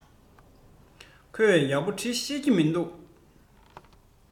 ཁོས ཡག པོ འབྲི ཤེས ཀྱི མིན འདུག